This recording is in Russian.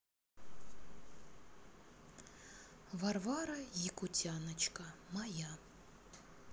варвара якутяночка моя